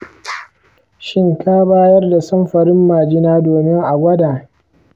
shin ka bayar da samfurin majina domin a gwada?